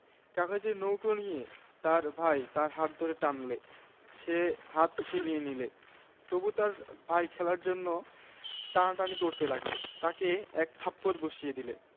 কত বড় কাল কত বড় জগত পৃথিবীতে কত জুগের কত জীবলীলা সেই সুদূর সেই বিরাট আজ এই দুরন্ত মেয়েটির মুখের দিকে তাকাল মেঘের ছায়ায় বৃষ্টির কলশব্দে